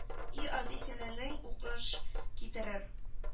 И ади сәләтең уңыш китерер